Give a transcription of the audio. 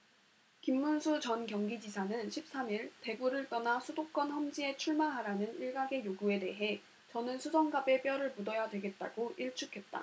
김문수 전 경기지사는 십 삼 일 대구를 떠나 수도권 험지에 출마하라는 일각의 요구에 대해 저는 수성갑에 뼈를 묻어야 되겠다고 일축했다